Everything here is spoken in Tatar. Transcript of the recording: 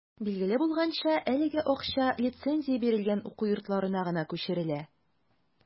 Билгеле булганча, әлеге акча лицензия бирелгән уку йортларына гына күчерелә.